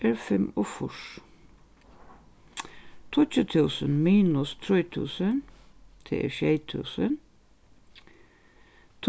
er fimmogfýrs tíggju túsund minus trý túsund tað er sjey túsund